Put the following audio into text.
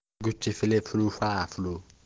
savr degan sonli qish men javzongdan qo'rqaman